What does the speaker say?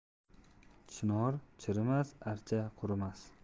chinor chirimas archa qurimas